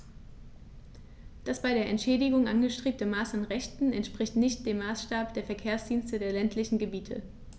Das bei der Entschädigung angestrebte Maß an Rechten entspricht nicht dem Maßstab der Verkehrsdienste der ländlichen Gebiete.